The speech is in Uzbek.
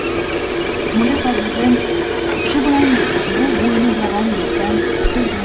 mulla fazliddin shu bilan bu bo'yni yo'g'on bekdan qutuldim